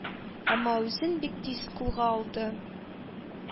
Әмма үзен бик тиз кулга алды.